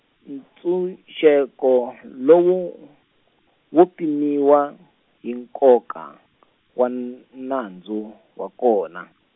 ntshunxeko lowu, wu pimiwa, hi nkoka, wa n-, nandzu wa kona.